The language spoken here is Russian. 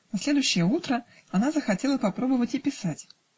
На следующее утро она захотела попробовать и писать